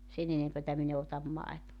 sen enempää minä en ota maitoa